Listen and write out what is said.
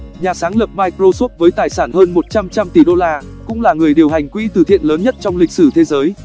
nhà sáng lập microsoft với tài sản hơn trăm tỷ đô la cũng là người điều hành quỹ từ thiện lớn nhất trong lịch sử thế giới